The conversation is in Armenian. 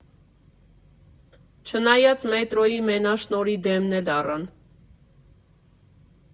Չնայած մետրոյի մենաշնորհի դեմն էլ առան.